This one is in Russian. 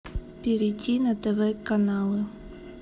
перейти на тв каналы